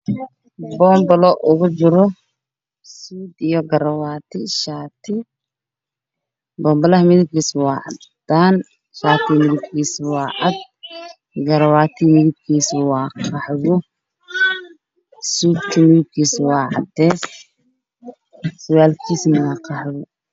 Waa boombalo ugu jiro shaati